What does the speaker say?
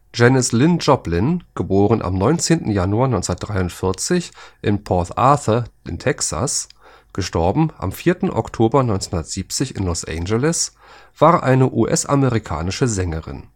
Janis Lyn Joplin (* 19. Januar 1943 in Port Arthur, Texas; † 4. Oktober 1970 in Los Angeles) war eine US-amerikanische Sängerin